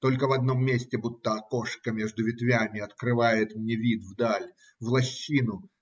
только в одном месте будто окошко между ветвями открывает мне вид вдаль, в лощину.